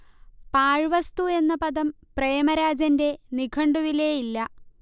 പാഴ്വസ്തു എന്ന പദം പ്രേമരാജന്റെ നിഘണ്ടുവിലേ ഇല്ല